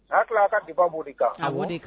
A tila a ka dibabo de kan a b di kan